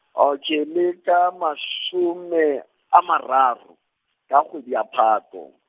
okay le ka mashome, a mararo, ka kgwedi ya Phato.